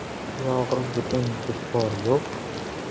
tuyog'i butun tulpor yo'q